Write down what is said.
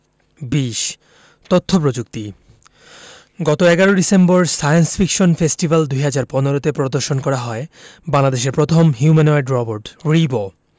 ২০ তথ্য প্রযুক্তি গত ১১ ডিসেম্বর সায়েন্স ফিকশন ফেস্টিভ্যাল ২০১৫ তে প্রদর্শন করা হয় বাংলাদেশের প্রথম হিউম্যানোয়েড রোবট রিবো